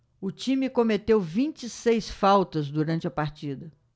o time cometeu vinte e seis faltas durante a partida